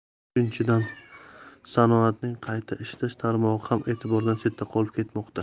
uchinchidan sanoatning qayta ishlash tarmog'i ham e'tibordan chetda qolib kelmoqda